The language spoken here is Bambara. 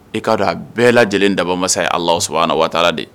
I ka don a bɛɛ lajɛlen dabamasa ye Alahu Subahanahu wataala de ye